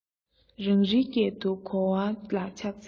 རང རེའི སྐད དུ གོ བརྡ ལ ཕྱག འཚལ ལོ